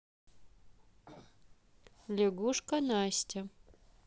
лягушка настя